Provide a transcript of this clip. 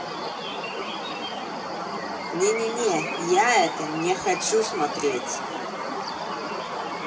не не не я это не хочу смотреть